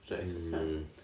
aneglur